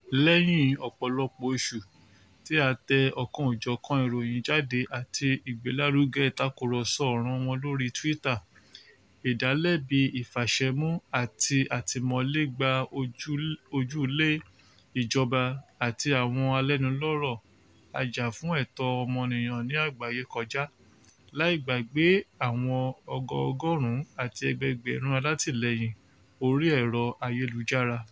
Lẹ́yìn ọ̀pọ̀lọpọ̀ oṣù tí a tẹ ọ̀kanòjọ̀kan ìròyìn jáde àti ìgbélárugẹ ìtàkùrọ̀sọ ọ̀ràn wọn lórí Twitter, ìdálébi ìfàṣẹmú àti àtìmọ́lé gba ojúlé ìjọba àti àwọn alẹ́nulọ́rọ̀ ajàfúnẹ̀tọ́ ọmọnìyàn ní àgbáyé kọjá, láì gbàgbé àwọn ọgọọ́gọ̀rún àti ẹgbẹẹ̀gbẹ̀rún alátìlẹ́yìn orí ẹ̀rọ-ayélujára.